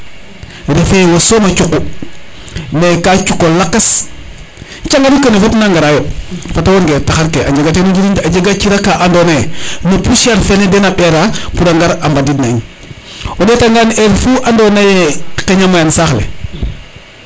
refe ye wo soma cuqu mais ka cuko lakas cangaru kene fop na ngara yo fata woor nge taxar ke a njega ten o njiriñ de a jega cira ka ando naye no poussiere fene dena ɓera pour a ngar a mbadiid na in o ndeta ngan heure fu ando naye qeña maya saxle